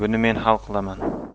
men hal qilaman